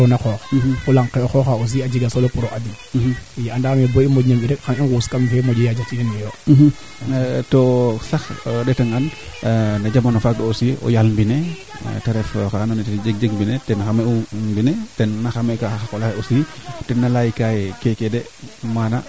kaa i ley'uye manaama qooq kaa laamit formation sax jamano feeke i ndef na in kaa i ngoxa pour ngooxa ndaa a qooqa le waroonga jiriñ kaa laamit formation ka fi nen ngay naak gaya pour gaya jega ndaa ngay naak elevage oxu na fiyan ten waagu fuuf oxe na gaya pour a gayaa ndaa a qooq it i tolwa maaga